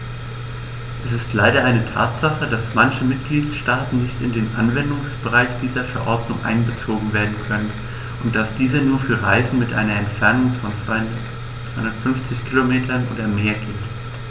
Es ist leider eine Tatsache, dass manche Mitgliedstaaten nicht in den Anwendungsbereich dieser Verordnung einbezogen werden können und dass diese nur für Reisen mit einer Entfernung von 250 km oder mehr gilt.